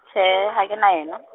tjhe, ha kena yena.